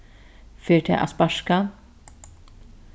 fer tað at sparka